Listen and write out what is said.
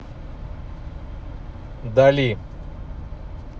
dali